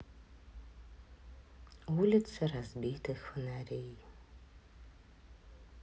улица разбитых фонарей